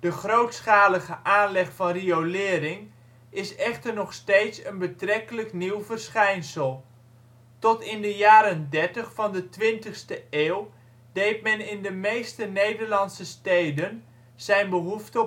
grootschalige aanleg van riolering is echter nog steeds een betrekkelijk nieuw verschijnsel. Tot in de jaren ' 30 van de 20e eeuw deed men in de meeste Nederlandse steden zijn behoefte